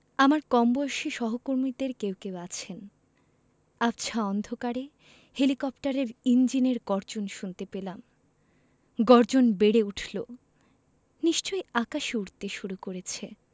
আমার কমবয়সী সহকর্মীদের কেউ কেউ আছে আবছা অন্ধকারে হেলিকপ্টারের ইঞ্জিনের গর্জন শুনতে পেলাম গর্জন বেড়ে উঠলো নিশ্চয়ই আকাশে উড়তে শুরু করেছে